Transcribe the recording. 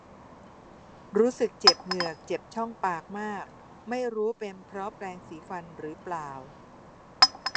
รู้สึกเจ็บเหงือกเจ็บช่องปากมากไม่รู้เป็นเพราะแปรงสีฟันหรือเปล่า